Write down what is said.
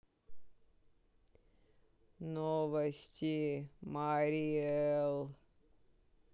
новости марий эл